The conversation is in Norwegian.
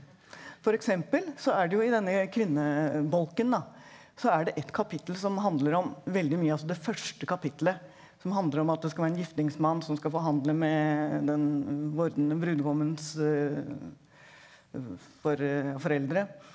f.eks. så er det jo i denne kvinnebolken da så er det et kapittel som handler om veldig mye altså det første kapittelet som handler om at det skal være en giftingsmann som skal forhandle med den vordene brudgommens foreldre.